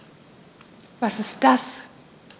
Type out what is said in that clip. Was ist das?